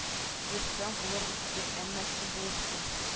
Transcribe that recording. Йөрсәң булыр иде әмма кем булышсын